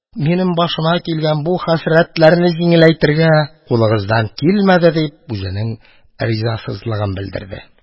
Минем башыма килгән бу хәсрәтләрне җиңеләйтергә кулыгыздан килмәде, – дип, үзенең ризасызлыгын белдерде.